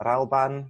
yr Alban